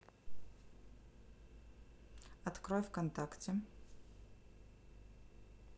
открой вконтакте